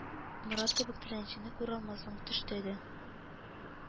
Морад кебек теләнчене күралмассың төштә дә